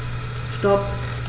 Stop.